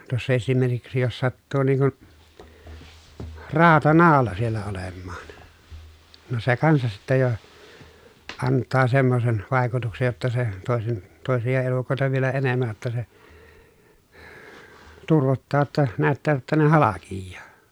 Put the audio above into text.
tuossa esimerkiksi jos sattuu niin kuin rautanaula siellä olemaan no se kanssa sitten jo antaa semmoisen vaikutuksen jotta se toisen toisia elukoita vielä enemmän jotta se turvottaa jotta näyttää että ne halkeaa